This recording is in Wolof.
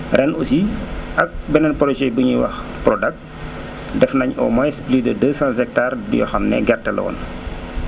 ren aussi ak beneen projet bu ñuy wax Prodac daf nañ au moins plus de 200 hectares yoo xam ne gerte la woon